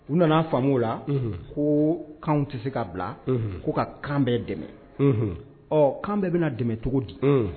U nana faamu la ko' tɛ se ka bila' ka kan bɛɛ dɛmɛ ɔ kan bɛɛ bɛna dɛmɛ cogo di